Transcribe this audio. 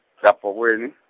kaBhokweni.